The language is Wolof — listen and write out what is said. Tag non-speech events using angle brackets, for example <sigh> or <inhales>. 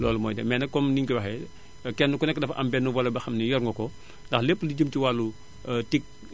loolu mooy dem mais nag comme ni ñu ko waxee kenn ku nekk dafa am benn volet boo xam ni yor nga ko <inhales> ndax lépp lu jëm ci wàllu <hesitation> Tic